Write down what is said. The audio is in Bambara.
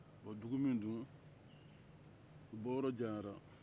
wa dugu min don u bɔyɔrɔ janyara